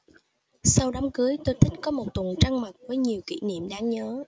sau đám cưới tôi thích có một tuần trăng mật với nhiều kỷ niệm đáng nhớ